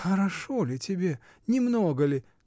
— Хорошо ли тебе, не много ли?